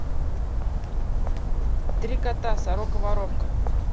три кота сорока воровка